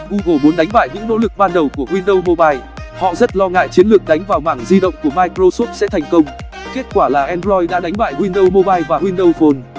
google muốn đánh bại những nỗ lực ban đầu của windows mobile họ rất lo ngại chiến lược đánh vào mảng di động của microsoft sẽ thành công kết quả là android đã đánh bại windows mobile và windows phone